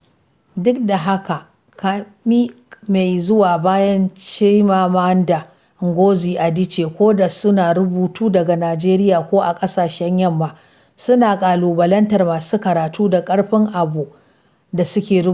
Duk da haka, ƙarni mai zuwa bayan Chimamanda Ngozi Adichie, ko da suna rubutu daga Najeriya ko a kasashen Yamma, suna kalubalantar masu karatu da ƙarfin abin da suke rubutawa.